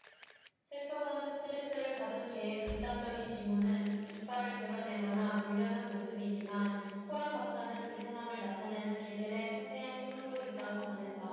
슬프거나 스트레스를 받은 개의 극단적인 징후는 이빨을 드러내거나 물려는 모습이지만 코렌 박사는 불편함을 나타내는 개들의 섬세한 신호도 있다고 전했다